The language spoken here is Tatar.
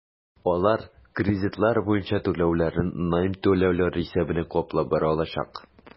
Алар кредитлар буенча түләүләрен найм түләүләре исәбенә каплап бара алачак.